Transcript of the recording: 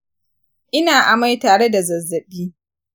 ina amai tareda da zazzabi